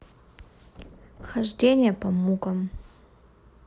хождение по мукам